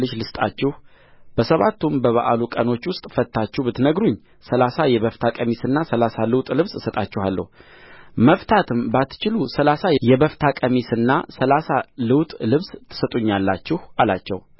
እንቆቅልሽ ልስጣችሁ በሰባቱም በበዓሉ ቀኖች ውስጥ ፈትታችሁ ብትነግሩኝ ሠላሳ የበፍታ ቀሚስና ሠላሳ ልውጥ ልብስ እሰጣችኋለሁ መፍታትም ባትችሉ ሠላሳ የበፍታ ቀሚስና ሠላሳ ልውጥ ልብስ ትሰጡኛላችሁ አላቸው